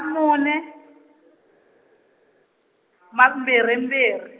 mune , ma mbirhi mbirhi.